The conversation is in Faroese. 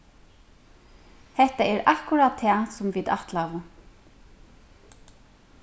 hetta er akkurát tað sum vit ætlaðu